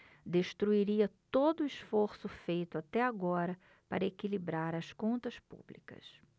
destruiria todo esforço feito até agora para equilibrar as contas públicas